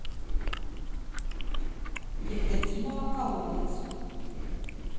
евдокимова колодец